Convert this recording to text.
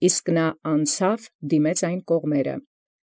Իսկ նորա անցեալ դիմեալ ի կողմանսն։